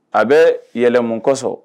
A bɛ yɛlɛmamu kosɔn